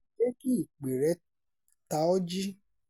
Jẹ́ kí ìpèe rẹ̀ ta ọ́ jí!